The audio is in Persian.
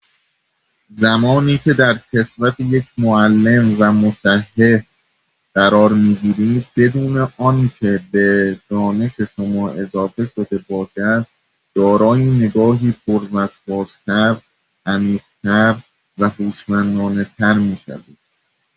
زمانی که در کسوت یک معلم و مصحح قرار می‌گیرید بدون آنکه به دانش شما اضافه شده باشد، دارای نگاهی پروسواس‌تر، عمیق‌تر و هوشمندانه‌تر می‌شوید.